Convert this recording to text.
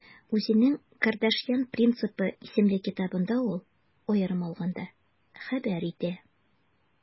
Үзенең «Кардашьян принципы» исемле китабында ул, аерым алганда, хәбәр итә: